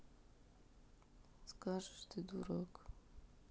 скажешь ты дурак